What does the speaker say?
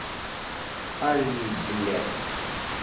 all блядь